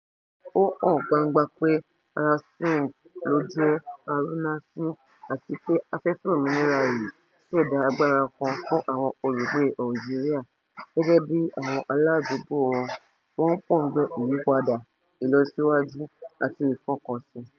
Ó hàn gbangba pé Arab Spring ló jẹ́ arúnásí àti pé afẹ́fẹ́ òmìnira yìí ṣẹ̀dá agbára kan fún àwọn olùgbé Algeria, gẹ́gẹ́ bí àwọn aládùúgbò wọn, wọ́n ń pòǹgbẹ ìyípadà, ìlọsíwájú àti ìfọkànsìn.